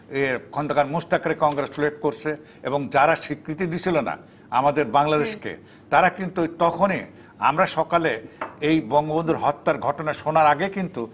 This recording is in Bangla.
মোশতাক রে কংগ্রাচুলেট করছে এবং যারা স্বীকৃতি দিয়েছিল না আমাদের বাংলাদেশকে তারা কিন্তু তখনই আমরা সকালে এই বঙ্গবন্ধু হত্যার ঘটনা শোনার আগে কিন্তু